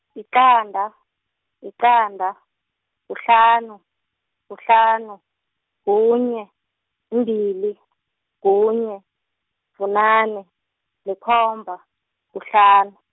yiqanda, yiqanda, kuhlanu, kuhlanu, kunye, mbili, kunye, bunane, likhomba, kuhlanu.